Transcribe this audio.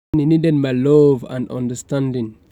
That he needed my love and understanding.